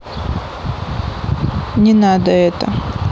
не надо это